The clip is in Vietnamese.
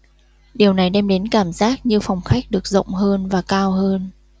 điều này đem đến cảm giác như phòng khách được rộng hơn và cao hơn